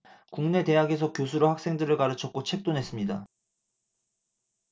국내 대학에서 교수로 학생들을 가르쳤고 책도 냈습니다